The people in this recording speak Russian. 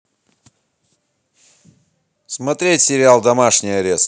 смотреть сериал домашний арест